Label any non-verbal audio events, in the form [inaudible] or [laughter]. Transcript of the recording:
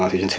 [hesitation] [hesitation]